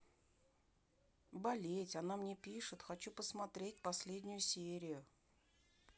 болеть она мне пишет хочу посмотреть последнюю серию